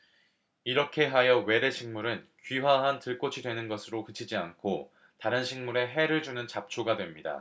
이렇게 하여 외래 식물은 귀화한 들꽃이 되는 것으로 그치지 않고 다른 식물에 해를 주는 잡초가 됩니다